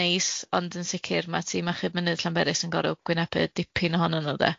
neis, ond yn sicir ma' tîm achub mynydd Llanberis yn goro gwynebu dipyn ohonyn nw 'de.